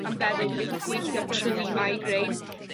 am feddwl dwi gallu gweithio trwy migraine.